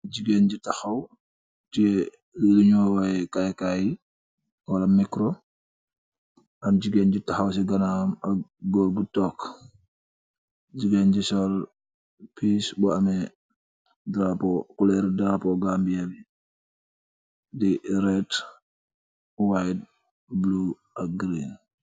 Gigain ju takhaw tiyeh lunjur wakhei kai kai, wala mikcro, am gigain ju takhaw ci ganawam ak gorre bu tok, gigain ju sol piss bu ameh drapeau, couleur drapeau Gambia bii, di red, white, blue ak green.